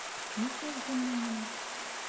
Ник яздым мин моны?